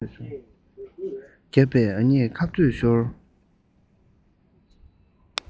བརྒྱབ པས ང གཉིས ཁ རྩོད ཤོར